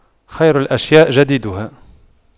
خير الأشياء جديدها